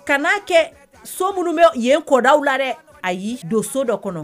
Ka n'a kɛ so minnu bɛ ye kɔdaw la dɛ a y'i don so dɔ kɔnɔ